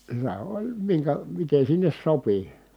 se oli minkä miten sinne sopi